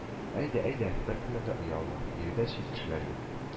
Әйдә-әйдә, беркемнән дә оялма. Биредә чит кешеләр юк